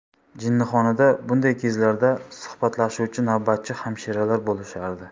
jinnixonada bunday kezlarda suhbatlashuvchi navbatchi hamshiralar bo'lishardi